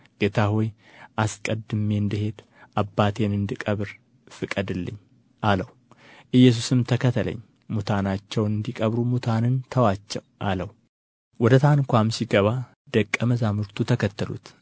ጌታ ሆይ አስቀድሜ እንድሄድ አባቴን እንድቀብር ፍቀድልኝ አለው ኢየሱስም ተከተለኝ ሙታናቸውንም እንዲቀብሩ ሙታንን ተዋቸው አለው ወደ ታንኳም ሲገባ ደቀ መዛሙርቱ ተከተሉት